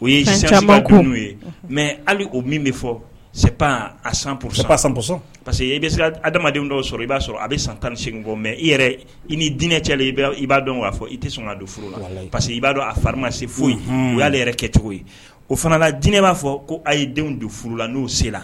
o yeba kun ye mɛ ali o min bɛ fɔ sep a san sanpsɔ pa que adamadamaden dɔw sɔrɔ i b'a sɔrɔ a bɛ san tan nise bɔ mɛ i yɛrɛ i ni dinɛcɛ i b'a dɔn k'a fɔ i tɛ sɔnna don furu parce que i b'a dɔn a farimase foyi u y'ale yɛrɛ kɛcogo ye o fana la dinɛ b'a fɔ ko ayi ye denw don furula n'o sen la